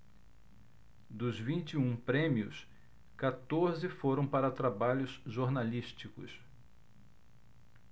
dos vinte e um prêmios quatorze foram para trabalhos jornalísticos